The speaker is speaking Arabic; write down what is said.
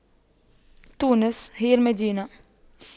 تونس هي المدينة